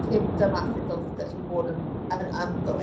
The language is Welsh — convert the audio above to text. dim dyma sut dylsech chi bod yn yn ymddwyn.